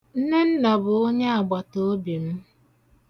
Nnenna bụ onyeagbataobi m.